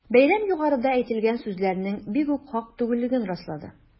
Бәйрәм югарыда әйтелгән сүзләрнең бигүк хак түгеллеген раслады.